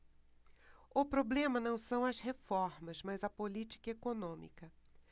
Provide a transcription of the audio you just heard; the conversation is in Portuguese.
o problema não são as reformas mas a política econômica